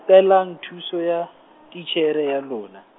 qelang thuso ya, titjhere ya lona.